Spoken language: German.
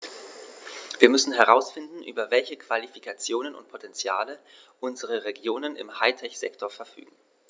Wir müssen herausfinden, über welche Qualifikationen und Potentiale unsere Regionen im High-Tech-Sektor verfügen.